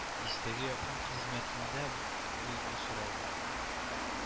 Дистәгә якын хезмәтендә ул бу сорауга